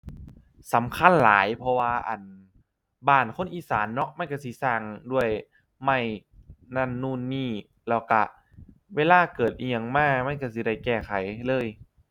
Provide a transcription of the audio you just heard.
สำคัญหลาย เพราะว่า อั่น บ้านคนอีสานเนาะ มันก็สิสร้างด้วยไม้นั่นนู่นนี่ แล้วก็เวลาเกิดอิหยังมามันก็สิได้แก้ไขเลย